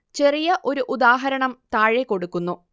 ചെറിയ ഒരു ഉദാഹരണം താഴെ കൊടുക്കുന്നു